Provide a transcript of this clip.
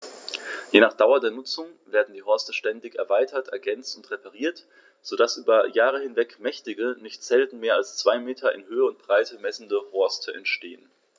Je nach Dauer der Nutzung werden die Horste ständig erweitert, ergänzt und repariert, so dass über Jahre hinweg mächtige, nicht selten mehr als zwei Meter in Höhe und Breite messende Horste entstehen.